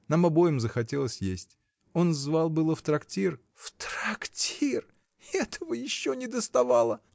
— Нам обоим захотелось есть: он звал было в трактир. — В трактир! Этого еще недоставало!